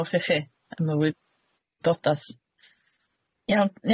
Diolch i chi am y wybodath. Iawn.